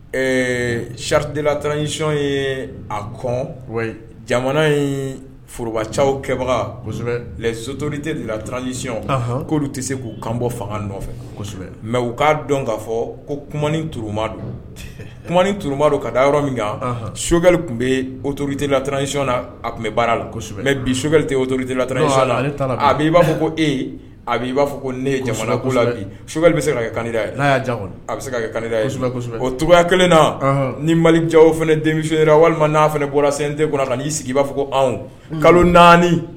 Ɛɛ siridlatransiɔn ye a jamana in foroorobacɛ kɛbaga kosɛbɛ soto tɛ dela tsiyɔn k'olu tɛ se k'u kanbɔ fanga nɔfɛ kosɛbɛ mɛ u k'a dɔn k'a fɔ ko turuma turuma don ka da yɔrɔ min kan soli tun bɛ ototeeli latsiyɔn a tun bɛ baara la kosɛbɛ mɛ bi so oto a i b'a fɔ ko e a i b'a fɔ ko ne jamana so bɛ se ka kɛ kandi ye n' a bɛ se ka kosɛbɛ o toya kelen na ni mali ja fana denmisɛn walima n'a fana bɔralasente na'i sigi i b'a fɔ ko anw kalo naani